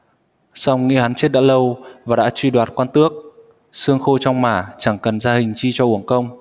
song nghĩ hắn chết đã lâu và đã truy đoạt quan tước xương khô trong mả chẳng cần gia hình chi cho uổng công